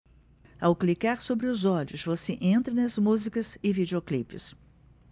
ao clicar sobre os olhos você entra nas músicas e videoclipes